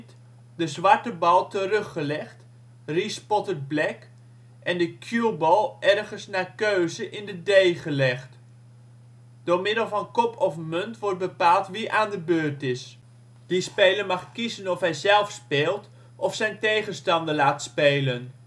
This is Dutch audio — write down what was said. zwarte bal teruggelegd (re-spotted black), en de cueball ergens naar keuze in de D gelegd. Door middel van kop of munt wordt bepaald wie aan de beurt is; die speler mag kiezen of hij zelf speelt of zijn tegenstander laat spelen